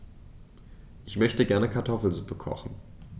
Ich möchte gerne Kartoffelsuppe kochen.